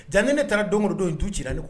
Ja ni ne taara doŋo don doyin du cira ne kɔ